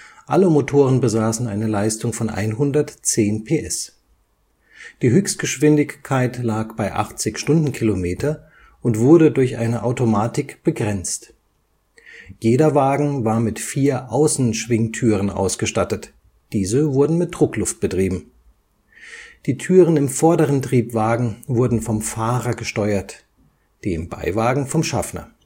Alle Motoren besaßen eine Leistung von 110 PS. Die Höchstgeschwindigkeit lag bei 80 km/h und wurde durch eine Automatik begrenzt. Jeder Wagen war mit vier Außenschwingtüren ausgestattet. Diese wurden mit Druckluft betrieben. Die Türen im vorderen Triebwagen wurden vom Fahrer gesteuert, die im Beiwagen vom Schaffner